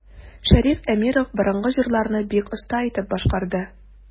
Шәриф Әмиров борынгы җырларны бик оста итеп башкарды.